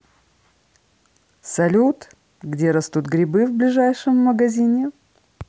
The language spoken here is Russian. салют где растут грибы в ближайшем магазине